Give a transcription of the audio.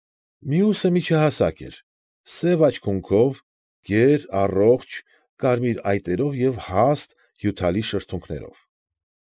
Մյուսը միջահասակ էր, սև աչքերով, գեր, առողջ, կարմիր այտերով և հաստ, հյութալի շրթունքներով։